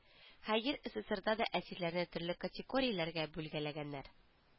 Хәер сссрда да әсирләрне төрле категорияләргә бүлгәләгәннәр